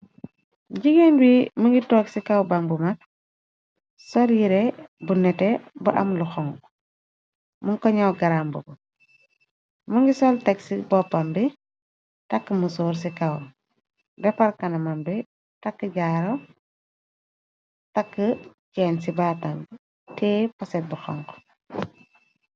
Jigéen bi mi ngi toog ci kaw bang bu mag sor yire bu nete bu am lu xong mun ko ñaw garaam bu b mu ngi sol teg ci boppam bi takk mu soor ci kaw reparkanamam bi takk jaaro takk jenn ci baatam tée paset bu xonku.